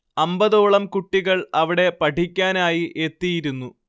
അമ്പതോളം കുട്ടികൾ അവിടെ പഠിക്കാനായി എത്തിയിരുന്നു